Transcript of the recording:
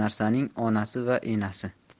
narsaning onasi va enasi